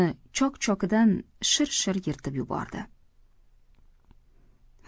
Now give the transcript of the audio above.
uni chok chokidan shir shir yirtib yubordi